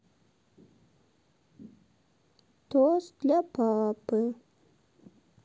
тост для папы